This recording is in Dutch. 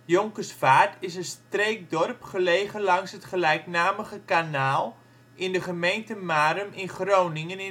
Jonkersvoart) is een streekdorp gelegen langs het gelijknamige kanaal in de gemeente Marum in Groningen